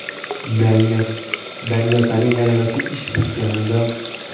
dangasaning g'ayrati ish bitganda qo'zir